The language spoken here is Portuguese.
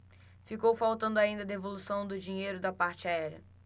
ficou faltando ainda a devolução do dinheiro da parte aérea